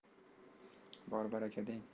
bor baraka deng